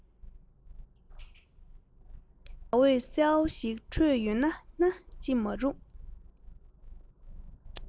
ཟླ འོད གསལ བོ ཞིག འཕྲོས ཡོད རྒྱུ ན ཅི མ རུང